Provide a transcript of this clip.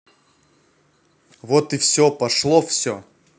вот и все пошло все